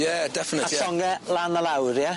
Ie, definite. A llonge lan a lawr ie?